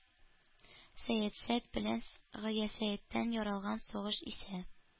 Сәясәт белән геосәясәттән яралган сугыш исә